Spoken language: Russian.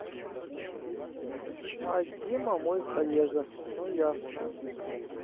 а дима мой коллега ну ясно